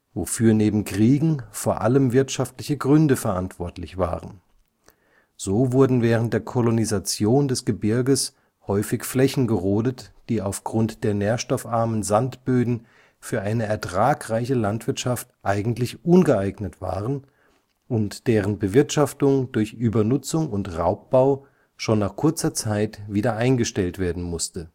wofür neben Kriegen vor allem wirtschaftliche Gründe verantwortlich waren. So wurden während der Kolonisation des Gebirges häufig Flächen gerodet, die aufgrund der nährstoffarmen Sandböden für eine ertragreiche Landwirtschaft eigentlich ungeeignet waren und deren Bewirtschaftung durch Übernutzung und Raubbau schon nach kurzer Zeit wieder eingestellt werden musste